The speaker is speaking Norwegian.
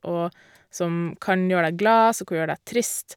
Og som kan gjøre deg glad, som kan gjøre deg trist.